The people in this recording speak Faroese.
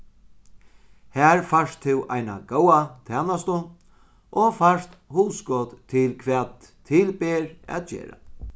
har fært tú eina góða tænastu og fært hugskot til hvat ber til at gera